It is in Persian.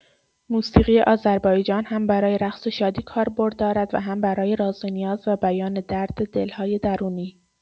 موسیقی آذربایجان هم برای رقص و شادی کاربرد دارد و هم برای راز و نیاز و بیان درد دل‌های درونی.